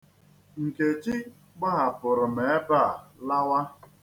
Nkechi gbahapụrụ m ebe a lawa.